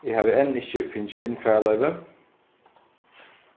eg havi enn ikki fingið innfararloyvi